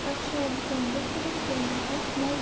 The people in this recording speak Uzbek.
yaxshi ot jonga sherik yomon ot molga